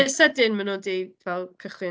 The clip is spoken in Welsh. Yn sydyn maen nhw 'di, fel, cychwyn?